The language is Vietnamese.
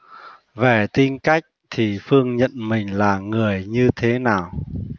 về tính cách thì phương nhận mình là người như thế nào